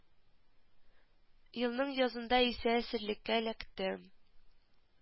Елның язында исә әсирлеккә эләктем